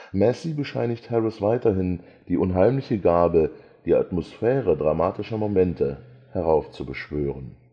Massie bescheinigt Harris weiterhin „ die unheimliche Gabe, (…) die Atmosphäre dramatischer Momente heraufzubeschwören